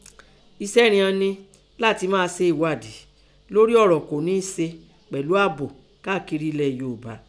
Eṣẹ́ rian nẹ látin máa se ẹ̀wadìí lórí ọ̀rọ̀ kọ́ nííse pẹ̀lú ààbò káàkiri elẹ̀ Yoòbá.